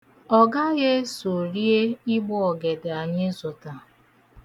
Ọ gaghị eso rie ịgbọọgede anyị zụta.